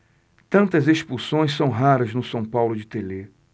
tantas expulsões são raras no são paulo de telê